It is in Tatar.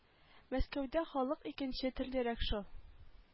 Мәскәүдә халык икенче төрлерәк шул